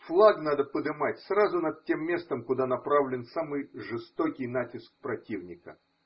Флаг надо подымать сразу над тем местом, куда направлен самый жестокий натиск противника.